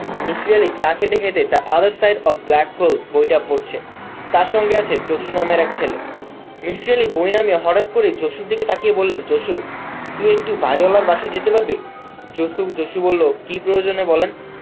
মিসির আলি চা খেতে খেতে The other Side of Black Hole বইটা পড়ছে তার সঙ্গে আছে জসু নামের এক ছেলে মিসির আলি বই নামিয়ে হঠাৎ করেই জসুর দিকে তাকিয়ে বললেন জসু তুই একটু বাড়িওয়ালার বাসায় যেতে পারবি জসু বলল কী প্রয়ােজন বলেন